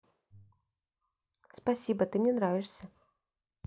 спасибо ты мне нравишься